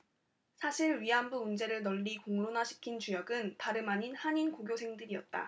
사실 위안부 문제를 널리 공론화시킨 주역은 다름아닌 한인고교생들이었다